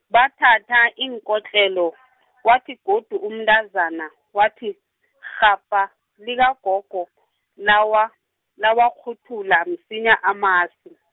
bathatha iinkotlelo, wathi godu umntazana wathi, irhabha likagogo, lawa, lawakghuthula msinya amasi.